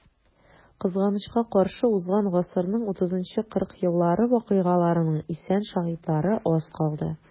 Кызганычка каршы, узган гасырның 30-40 еллары вакыйгаларының исән шаһитлары аз калды.